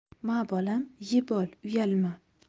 ma bolam yeb ol uyalma